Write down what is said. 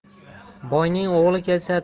boyning o'g'li kelsa